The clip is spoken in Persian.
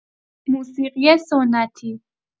موسیقی سنتی